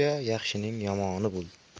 yaxshining yomoni bo'l